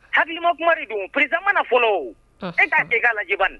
Hakilima kuma de don, président ma na fɔlɔ, e k'a dégat lajɛ bani